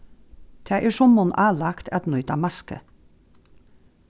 tað er summum álagt at nýta masku